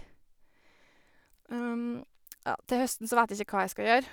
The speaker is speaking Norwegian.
Ja, til høsten så vet jeg ikke hva jeg skal gjøre.